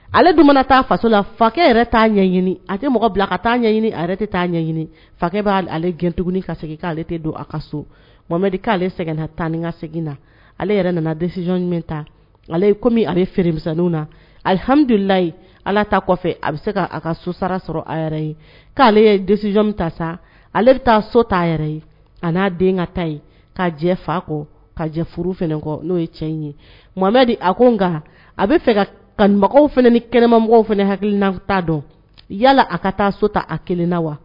Ale donna taa faso la fakɛ yɛrɛ ta ɲɛɲini a tɛ mɔgɔ bila a ka taa ɲɛɲini a tɛ taa'a ɲɛɲini fa b'a ale gt ka segin'ale don a ka so k'ale sɛgɛn tan ka segin na ale yɛrɛ nanasi ta ale ye komi a bɛ feerew namidulayi ala ta kɔfɛ a bɛ se' ka so sara sɔrɔ a yɛrɛ ye k'ale ye ta sa ale bɛ taa so'a yɛrɛ ye a n'a den ka ta ye k'a jɛ fa kɔ ka' jɛ furu kɔ n'o ye cɛ in ye de a ko a bɛ fɛ ka kanumɔgɔ fana ni kɛnɛmamɔgɔ fana hakiliina dɔn yala a ka taa so ta a kelen na wa